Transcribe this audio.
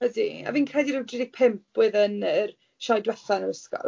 Ydi. A fi'n credu ryw dri deg pump oedd yn yr sioe diwetha'r ysgol.